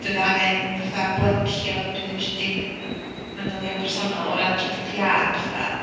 Fydd angen fatha blancio... Dwi ddim isio dim manylion personol o ran GDPR a petha.